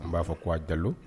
N b'a fɔ k' aa dalo